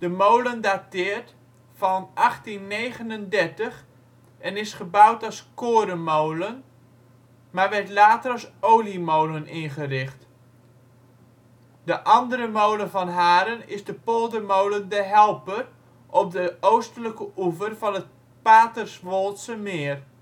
molen dateert van 1839 en is gebouwd als korenmolen, maar werd later als oliemolen ingericht. De andere molen van Haren is de poldermolen De Helper op de oostelijke oever van het Paterswoldse Meer